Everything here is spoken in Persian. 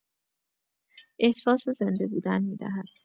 احساس زنده‌بودن می‌دهد.